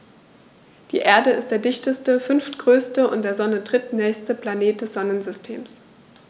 Die Erde ist der dichteste, fünftgrößte und der Sonne drittnächste Planet des Sonnensystems.